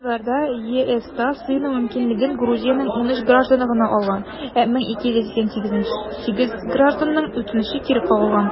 Гыйнварда ЕСта сыену мөмкинлеген Грузиянең 13 гражданы гына алган, ә 1288 гражданның үтенече кире кагылган.